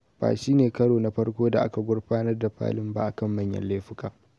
Ba shi ne karo na farko da aka gurfanar da Palin ba akan manyan laifuka.